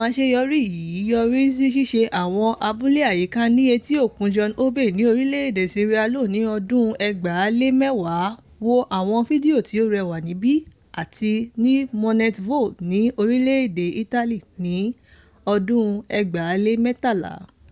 Láìpé yìí ni ìtàn àṣeyọrí yìí yọrí sí ṣíṣe àwọn abúlé àyíká ní Etí Òkun John Obey, ní orílẹ̀ èdè Sierra Leone ní ọdún 2010( wo àwọn fídíò tí ó rẹwà níbí) àti ní Monestevole, ní orílẹ̀ èdè Italy ní ọdún 2013.